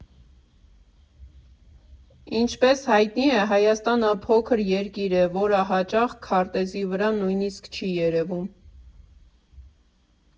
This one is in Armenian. Ինչպես հայտնի է, Հայաստանը փոքր երկիր է, որը հաճախ քարտեզի վրա նույնիսկ չի երևում։